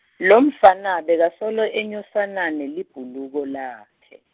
lomfana bekasolo enyusana nelibhuluko lakhe.